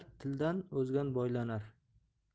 tildan ozgan boylanar